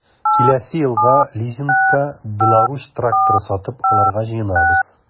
Киләсе елга лизингка “Беларусь” тракторы сатып алырга җыенабыз.